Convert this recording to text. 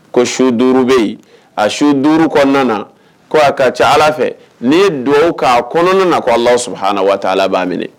Ko su duuru bɛ yen a su duuru kɔnɔna na ko' a ka ca ala fɛ n'i ye do k'a kɔnɔna na k' sɔrɔ hana waati taa ala b'a minɛ